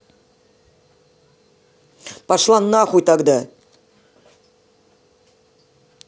пошла нахуй тогда